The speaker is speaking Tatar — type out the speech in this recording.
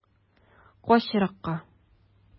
Кач еракка.